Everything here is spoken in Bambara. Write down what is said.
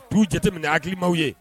K'u jateminɛ akimaw ye